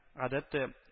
Гадәттә